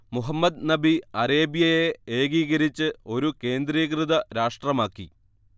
മുഹമ്മദ് നബി അറേബ്യയെ ഏകീകരിച്ച് ഒരു കേന്ദ്രീകൃത രാഷ്ട്രമാക്കി